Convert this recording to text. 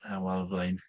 Y wal flaen.